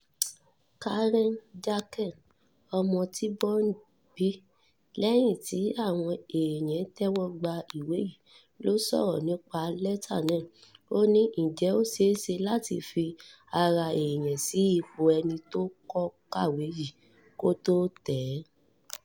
Karen Jankel, ọmọ tí Bond bíi lẹ́yìn tí àwọn èèyàn tẹ́wọ́gba ìwé yìí ló sọ̀rọ̀ nípa lẹ́tà náà. Ó ní: “Ǹjẹ́ ó ṣẹéṣe láti fi ara èèyàn sí ipò ẹni tó kọ́ kàwé yìí k’ọ́n tó tẹ̀ ẹ́?